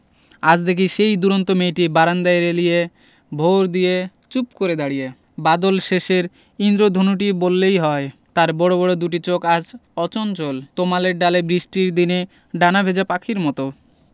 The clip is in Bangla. আজ দেখি সেই দূরন্ত মেয়েটি বারান্দায় রেলিয়ে ভর দিয়ে চুপ করে দাঁড়িয়ে বাদলশেষের ঈন্দ্রধনুটি বললেই হয় তার বড় বড় দুটি চোখ আজ অচঞ্চল তমালের ডালে বৃষ্টির দিনে ডানা ভেজা পাখির মত